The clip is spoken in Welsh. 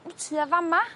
tua fa' 'ma